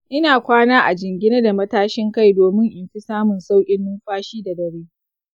ina kwana a jingine da matashin kai domin in fi samun sauƙin numfashi da dare.